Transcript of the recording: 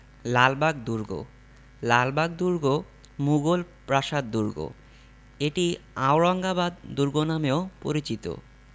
লালবাগ দুর্গ লালবাগ দুর্গ মুগল প্রাসাদ দুর্গ এটি আওরঙ্গাবাদ দুর্গ নামেও পরিচিত